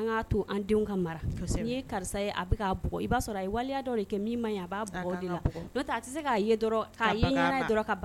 An k'a to an denw ka mara, kosɛbɛ, n'i ye karisa ye a bɛ k'a bugɔ i b'a sɔrɔ a waleya dɔ de kɛ min man ɲi a b'a bugɔ o de la n'o tɛ se k'a ye dɔrɔn, k'a yenɲɛna ye dɔrɔn ka